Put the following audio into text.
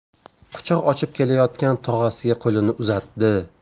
quchoq ochib kelayotgan tog'asiga qo'lini uzatdi